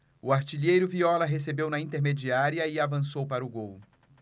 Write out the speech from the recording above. o artilheiro viola recebeu na intermediária e avançou para o gol